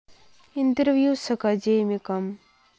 интервью с академиком